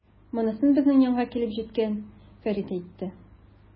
Монысын безнең янга килеп җиткән Фәрит әйтте.